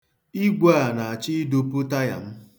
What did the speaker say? Igwe a na-achọ ịdụpu taya m.